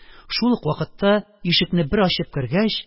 Шул ук вакытта, ишекне бер ачып кергәч,